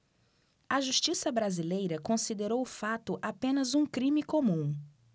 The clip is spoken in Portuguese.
a justiça brasileira considerou o fato apenas um crime comum